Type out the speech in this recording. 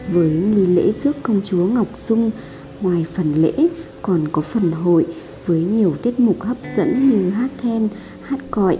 với nghi lễ rước công chúa ngọc dung ngoài phần lễ còn có phần hội với nhiều tiết mục hấp dẫn như hát then hát cọi